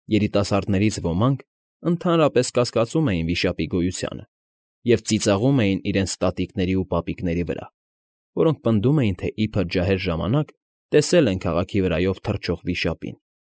Երիտասարդներից ոմանք ընդհանրապես կասկածում էին վիշապի գոյությանը և ծիծաղում էին իրենց տատիկների ու պապիկների վրա, որոնք պնդում էին, թե իբր ջահել ժամանակ տեսել են քաղաքի վրայով թռչող վիշապին։